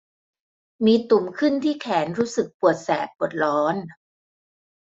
มีตุ่มขึ้นที่แขนรู้สึกปวดแสบปวดร้อน